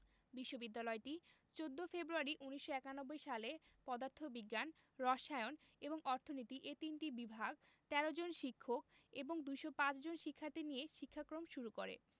বিশ্ববিদ্যালয়টি ১৪ ফেব্রুয়ারি ১৯৯১ সালে পদার্থ বিজ্ঞান রসায়ন এবং অর্থনীতি এ তিনটি বিভাগ ১৩ জন শিক্ষক এবং ২০৫ জন শিক্ষার্থী নিয়ে শিক্ষাক্রম শুরু করে